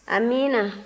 amiina